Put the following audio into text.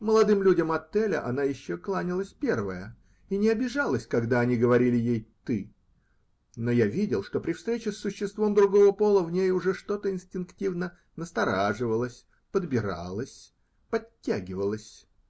Молодым людям отеля она еще кланялась первая и не обижалась, когда они говорили ей ты, но я видел, что при встрече с существом другого пола в ней уже что-то инстинктивно настораживалось, подбиралось, подтягивалось.